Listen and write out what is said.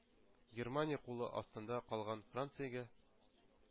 Германия кулы астында калган Франциягә,